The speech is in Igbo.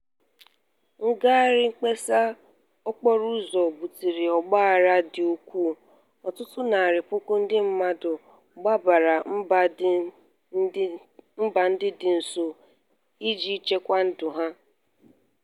Ngagharị mkpesa okporoụzọ butere ọgbaaghara dị egwu, ọtụtụ narị puku ndị mmadụ gbabara mba ndị dị nso iji chekwa ndụ ha.